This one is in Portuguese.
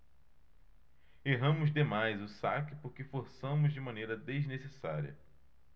erramos demais o saque porque forçamos de maneira desnecessária